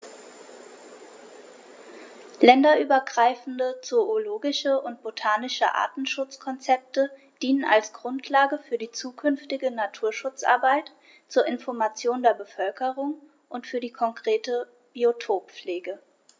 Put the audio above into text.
Länderübergreifende zoologische und botanische Artenschutzkonzepte dienen als Grundlage für die zukünftige Naturschutzarbeit, zur Information der Bevölkerung und für die konkrete Biotoppflege.